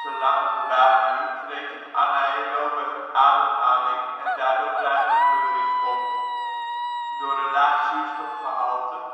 lange bewaarduur treedt een anaërobe ademhaling en daardoor bruinverkleuring op. Door een laag zuurstofgehalte